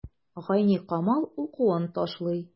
Гайникамал укуын ташлый.